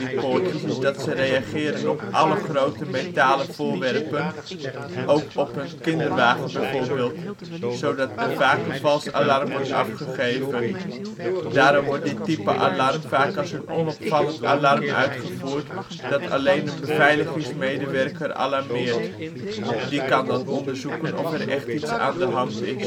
poortjes is dat ze reageren op alle grote metalen voorwerpen, ook op een kinderwagen bijvoorbeeld, zodat er vaak een vals alarm wordt afgegeven. Daarom wordt dit type alarm vaak als een onopvallend alarm uitgevoerd, dat alleen een beveiligingsmedewerker alarmeert. Die kan dan onderzoeken of er echt iets aan de hand